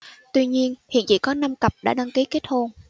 tuy nhiên hiện chỉ có năm cặp đã đăng ký kết hôn